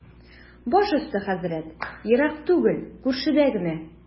Баш өсте, хәзрәт, ерак түгел, күршедә генә.